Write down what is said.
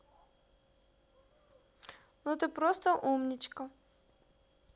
ну ты просто умничка